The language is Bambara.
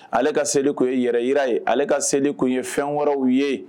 Ale ka seli tun ye yɛrɛ jira ye, ale ka seli tun ye fɛn wɛrɛw ye.